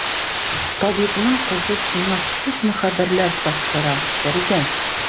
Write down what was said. Табибның кызы сиңа күпме хәбәрләр тапшыра, Фәридә!